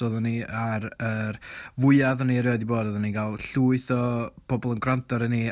Oeddan ni ar yr fwya o'n i 'rioed 'di bod. Oeddan ni'n gael llwyth o bobl yn gwrando arnon ni.